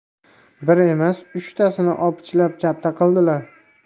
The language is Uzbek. bir emas uchtasini opichlab katta qildilar